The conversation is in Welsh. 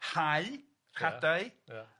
Hau hadau. Ia.